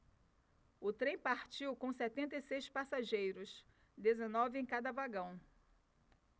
o trem partiu com setenta e seis passageiros dezenove em cada vagão